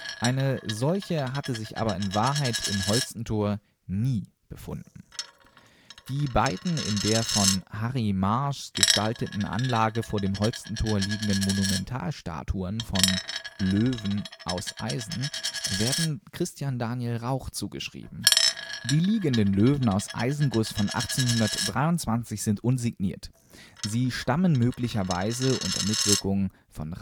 Eine solche hatte sich aber in Wahrheit im Holstentor nie befunden. Die beiden in der von Harry Maasz gestalteten Anlage vor dem Holstentor liegenden Monumentalstatuen von Löwen aus Eisen werden Christian Daniel Rauch zugeschrieben. Die Liegenden Löwen aus Eisenguss von 1823 sind unsigniert. Sie entstanden möglicherweise unter Mitwirkung von